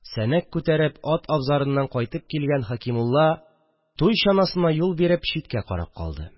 Сәнәк күтәреп ат абзарыннан кайтып килгән Хәкимулла, туй чанасына юл биреп, читкә карап калды